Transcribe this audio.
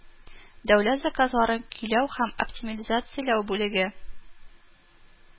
Дәүләт заказларын көйләү һәм оптимизацияләү бүлеге